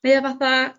Mae o fatha